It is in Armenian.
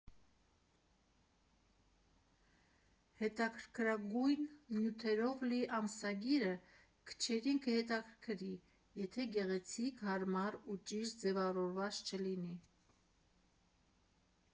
Հետաքրքրագույն նյութերով լի ամսագիրը քչերին կհետաքրքրի, եթե գեղեցիկ, հարմար ու ճիշտ ձևավորված չլինի։